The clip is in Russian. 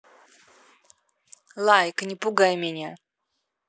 лайк не пугай меня